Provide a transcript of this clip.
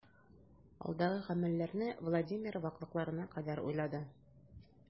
Алдагы гамәлләрне Владимир ваклыкларына кадәр уйлады.